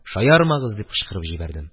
«шаярмагыз!» – дип кычкырып җибәрдем